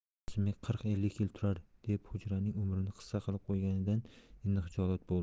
qosimbek qirq ellik yil turar deb hujraning umrini qisqa qilib qo'yganidan endi xijolat bo'ldi